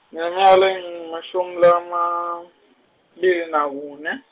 le lingamashumi lamabili nakunye.